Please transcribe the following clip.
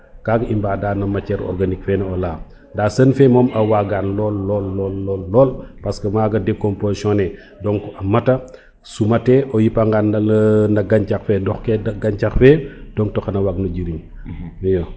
kaga i mbaɗa no matiere organique fene o leya nda sen fe moom a wagan lol lol lol parce que maga decomposition ne donc a mata sumate o yipa ngan no gancax fe dox ke gancax fe donte xan te waag no jirñin iyo